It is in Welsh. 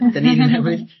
'dyn ni 'di newydd